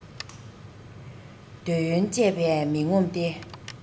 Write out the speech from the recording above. འདོད ཡོན སྤྱད པས མི ངོམས ཏེ